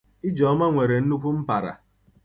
Ijeoma nwere nnukwu mpara.